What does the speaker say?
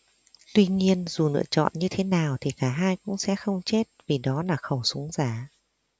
tuy nhiên dù lựa chọn như thế nào thì cả hai cũng sẽ không chết vì đó là khẩu súng giả